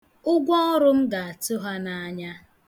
Ụgwọọrụ m ga-atụ ha n' anya.